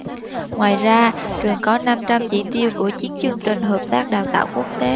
ngoài ra trường có năm trăm chỉ tiêu của chín chương trình hợp tác đào tạo quốc tế